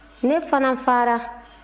ne fana fara